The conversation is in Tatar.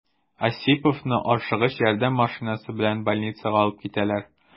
Осиповны «Ашыгыч ярдәм» машинасы белән больницага алып китәләр.